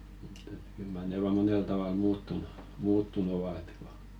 että kyllä mar ne vain monella tavalla muuttunut muuttunut ovat että kun